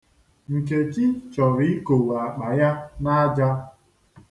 Nkechi chọrọ ikowe akpa ya n'aja.